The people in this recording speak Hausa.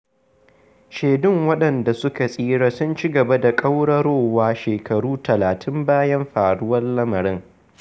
Shedun waɗanda suka tsira sun cigaba da kwararowa shekaru 30 bayan faruwar lamarin.